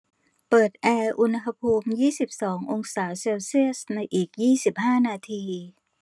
เปิดแอร์อุณหภูมิยี่สิบสององศาเซลเซียสในอีกยี่สิบห้านาที